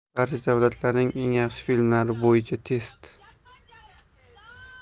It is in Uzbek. barcha davrlarning eng yaxshi filmlari bo'yicha test